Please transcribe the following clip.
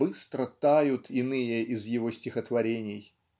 быстро тают иные из его стихотворений.